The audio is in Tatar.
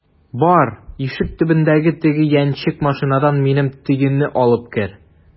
Бар, ишек төбендәге теге яньчек машинадан минем төенне алып кер!